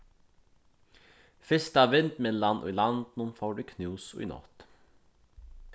fyrsta vindmyllan í landinum fór í knús í nátt